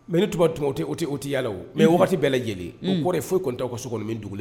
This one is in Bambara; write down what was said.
Mɛ tunba tunkara tɛ o tɛ o tɛ yalala o mɛ o waati bɛɛ lajɛlenɔr ye foyi tuntan ka sokɔnɔ min dugu